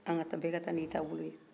an ka bɛɛ ka taa n' i taabolo ye